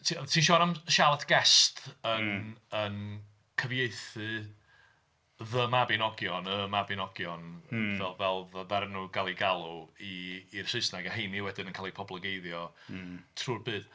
Ti... ti'n sôn am Charlotte Guest yn... yn cyfieithu The Mabinogion, Y Mabinogion, fel... fel ddaru nhw gael eu galw i... i'r Saesneg a 'heiny wedyn yn cael eu poblogeiddio... Hmm... Trwy'r byd.